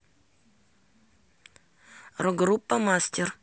рок группа мастер